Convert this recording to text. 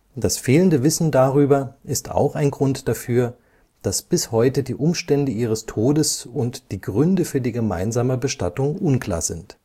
Das fehlende Wissen darüber ist auch ein Grund dafür, dass bis heute die Umstände ihres Todes und die Gründe für die gemeinsame Bestattung unklar sind